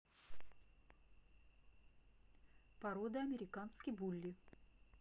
порода американский булли